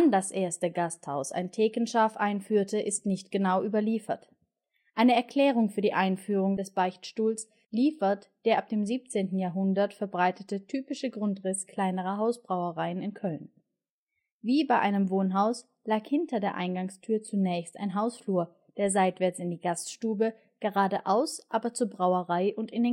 das erste Gasthaus ein Thekenschaaf einführte, ist nicht genau überliefert. Eine Erklärung für die Einführung des „ Beichtstuhls “liefert der ab dem 17. Jahrhundert verbreitete typische Grundriss kleiner Hausbrauereien in Köln. Wie bei einem Wohnhaus lag hinter der Eingangstür zunächst ein Hausflur, der seitwärts in die Gaststube, geradeaus aber zur Brauerei und in